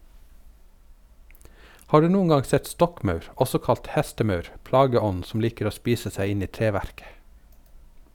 Har du noen gang sett stokkmaur, også kalt hestemaur, plageånden som liker å spise seg inn i treverket?